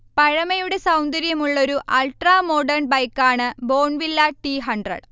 പഴമയുടെ സൗന്ദര്യമുള്ളൊരു അൾട്രാമോഡേൺ ബൈക്കാണ് ബോൺവില്ല ടി ഹൺഡ്രഡ്